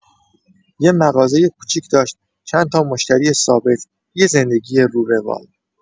یه مغازه کوچیک داشت، چندتا مشتری ثابت، یه زندگی رو روال.